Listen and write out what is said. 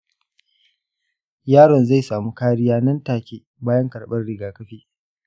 yaron zai samu kariya nan take bayan karbar rigakafi.